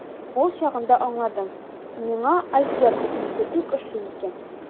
Ул чагында аңладым, миңа азиат кухнясы бик ошый икән.